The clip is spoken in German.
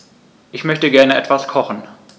Ich möchte gerne etwas kochen.